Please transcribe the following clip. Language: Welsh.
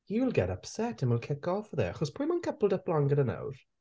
You'll get upset and will kick off with her. Achos pwy mae'n coupled up lan gyda nawr?